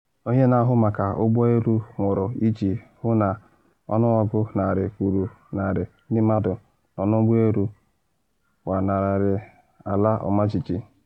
Onye Na Ahụ Maka Ụgbọ Elu Nwụrụ Iji Hụ Na Ọnụọgụ Narị Kwụrụ Narị Ndị Mmadụ Nọ N’ụgbọ Elu Gbanarịrị Ala Ọmajiji